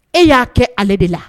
E y'a kɛ ale de la